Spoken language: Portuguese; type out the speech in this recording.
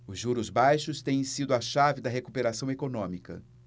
os juros baixos têm sido a chave da recuperação econômica